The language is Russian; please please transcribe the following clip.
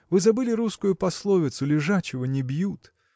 Вы забыли русскую пословицу: лежачего не бьют.